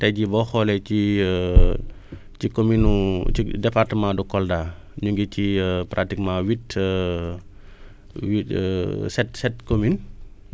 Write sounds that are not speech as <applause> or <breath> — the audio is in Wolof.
tey jii boo xoolee ci <hesitation> ci commune ci département de Kolda ñu ngi ci <hesitation> pratiquement huit <hesitation> <breath> huit <hesitation> sept sept communes